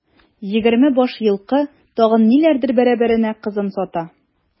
Егерме баш елкы, тагын ниләрдер бәрабәренә кызын сата.